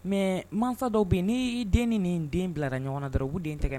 Mais masa dɔw bɛ yen ni den ni den bilala ɲɔgɔn na dɔrɔn u b'u den tɛgɛ minɛ